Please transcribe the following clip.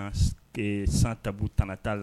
San ta tan tta la